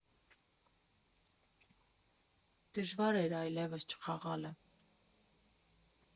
Դժվար էր այլևս չխաղալը։